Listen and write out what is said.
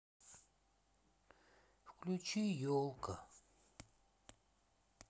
включи елка